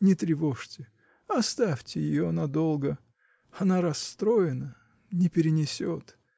Не тревожьте, оставьте ее надолго! Она расстроена, не перенесет.